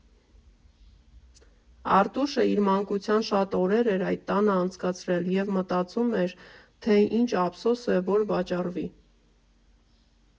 Արտուշը իր մանկության շատ օրեր էր այդ տանը անցկացրել, և մտածում էր թե ինչ ափսոս է, որ վաճառվի։